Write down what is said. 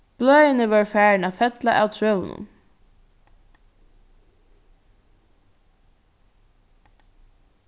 bløðini vóru farin at fella av trøunum